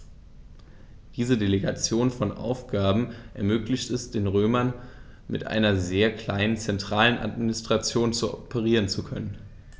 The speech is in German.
Diese Delegation von Aufgaben ermöglichte es den Römern, mit einer sehr kleinen zentralen Administration operieren zu können.